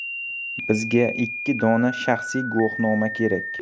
bizga ikki dona shaxsiy guvohnoma kerak